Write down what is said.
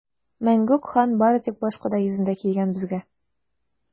Мәңгүк хан бары тик башкода йөзендә килгән безгә!